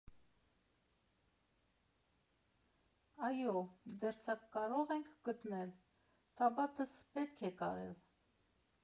«Այո, դերձակ կարո՞ղ ենք գտնել, տաբատս պետք է կարել»։